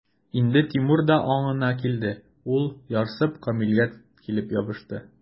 Инде Тимур да аңына килде, ул, ярсып, Камилгә килеп ябышты.